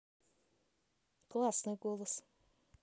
классный голос